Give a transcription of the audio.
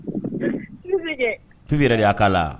Tubi yɛrɛ a kala la